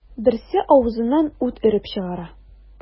Берсе авызыннан ут өреп чыгара.